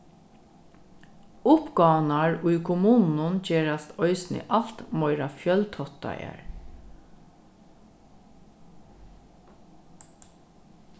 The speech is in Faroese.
uppgávurnar í kommununum gerast eisini alt meira fjøltáttaðar